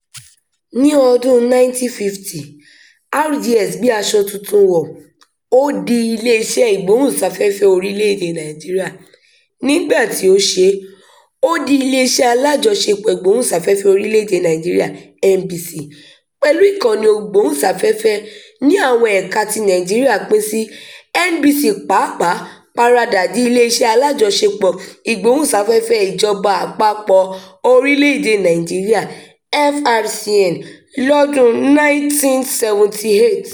Ní ọdún-un 1950, RDS gbé aṣọ tuntun wọ̀ — ó di Iléeṣẹ́ Ìgbóhùnsáfẹ́fẹ́ Orílẹ̀-èdèe Nàìjíríà (NBS) — nígbà tí ó ṣe, ó di Iléeṣẹ́ Alájọṣepọ̀ Ìgbóhùnsáfẹ́fẹ́ Orílẹ̀-èdèe Nàìjíríà (NBC), pẹ̀lú ìkànnì ìgbóhùnsáfẹ́fẹ́ ní àwọn ẹ̀ka tí Nàìjíríà pín sí. NBC pàpà paradà di Iléeṣẹ́ Alájọṣepọ̀ Ìgbóhùnsáfẹ́fẹ́ Ìjọba Àpapọ̀ Orílẹ̀-èdèe Nàìjíríà (FRCN) lọ́dún-un 1978.